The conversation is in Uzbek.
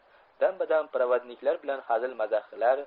dam badam provodniklar bilan xazil mazah qilar